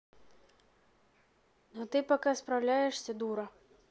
ну ты пока не справляешься дура